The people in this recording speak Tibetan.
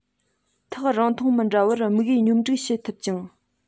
ཐག རིང ཐུང མི འདྲ བར དམིགས ཡུལ སྙོམ སྒྲིག བྱེད ཐུབ ཅིང